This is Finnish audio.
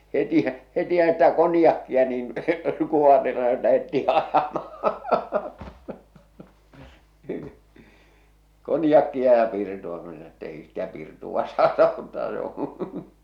heti heti sitä konjakkia niin kuoharille ja lähdettiin ajamaan konjakkia ja pirtua kun se sanoi että ei sitä pirtua saata ottaa se on